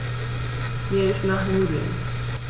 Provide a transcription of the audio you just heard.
Mir ist nach Nudeln.